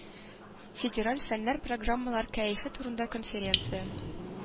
Федераль фэннэр программалар кәефе турында конференция.